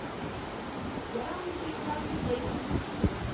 Ярамый тыелган дип әйтү юк иде